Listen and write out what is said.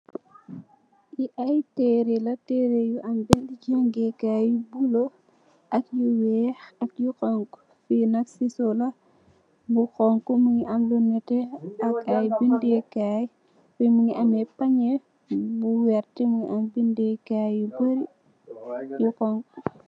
Yii ayy terela tereyu andak jangeh Kay yu bulo ak yu wekh ak yu xonxu liinak sisola bu xonxu mungi am lu netteh ak ayy bindeh Kay Fi mungi ameh peñe bu wert mungi am bindeh Kay yu barri yu xonxu.